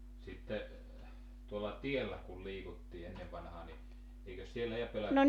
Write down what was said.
sitten tuolla tiellä kun liikuttiin ennen vanhaan niin eikös siellä ja pelätty